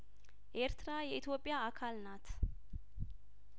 ኤርትራ የኢትዮጵያ አካል ናት